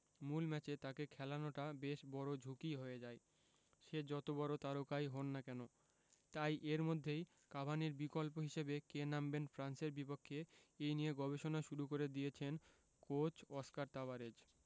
মূল ম্যাচে তাঁকে খেলানোটা বেশ বড় ঝুঁকিই হয়ে যায় সে যত বড় তারকাই হোন না কেন তাই এর মধ্যেই কাভানির বিকল্প হিসেবে কে নামবেন ফ্রান্সের বিপক্ষে এই নিয়ে গবেষণা শুরু করে দিয়েছেন কোচ অস্কার তাবারেজ